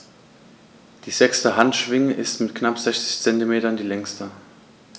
Die sechste Handschwinge ist mit knapp 60 cm die längste.